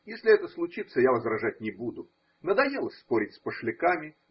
Если это случится, я возражать не буду – надоело спорить с пошляками.